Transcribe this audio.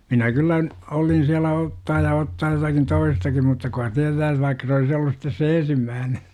minä kyllä - olin siellä ottaa ja ottaa jotakin toistakin mutta kuka tietää että vaikka se olisi ollut sitten se ensimmäinen